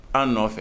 An nɔfɛ